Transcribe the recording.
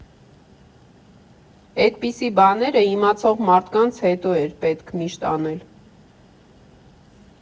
Էդպիսի բաները իմացող մարդկանց հետո էր պետք միշտ անել։